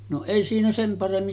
no ei siinä sen paremmin